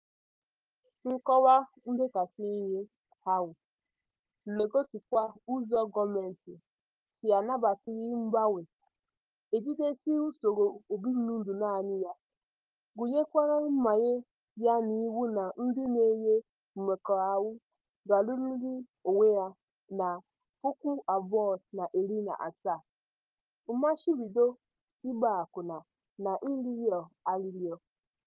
"Nkọwa idekasị ihe" ahụ na-egosikwa ụzọ gọọmentị si anabataghị mgbanwe, ejidesi usoro obibindụ naanị ya, gụnyekwara imanye ya n'iwu na ndị na-enwe mmekọahụ ga-aluriri onwe ha na 2017, mmachibido ịgba akwụna na ịrịọ arịrịọ."